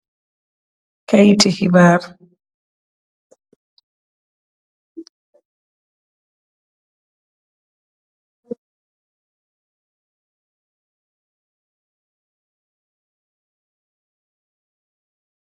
Amb kayettou kibar .